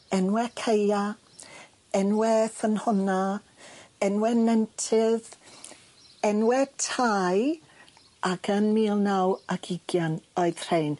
Enwe ceia enwe ffynhonna' enwe nentydd enwe tai ac yn mil naw ag ugian oedd rhein.